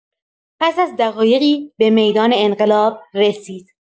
پس از دقایقی، به میدان انقلاب رسید.